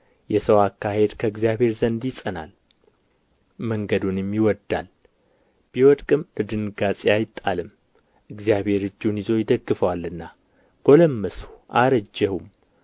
የሰው አካሄድ ከእግዚአብሔር ዘንድ ይጸናል መንገዱንም ይወድዳል ቢወድቅም ለድንጋፄ አይጣልም እግዚአብሔር እጁን ይዞ ይደግፈዋልና ጐለመስሁ አረጀሁም